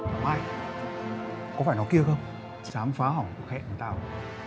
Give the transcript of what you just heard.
mai có phải nó kia không dám phá hỏng cuộc hẹn của tao